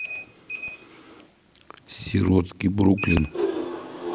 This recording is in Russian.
сиротский бруклин